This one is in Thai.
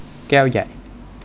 แก้วใหญ่